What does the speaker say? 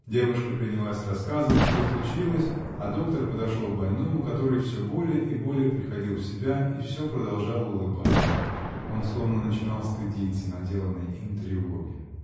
Девушка принялась рассказывать, что случилось, а доктор подошел к больному, который все более и более приходил в себя и все продолжал улыбаться: он словно начинал стыдиться наделанной им тревоги.